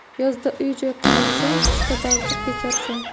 yozda uy joy qurmasang qishda balchiq kecharsan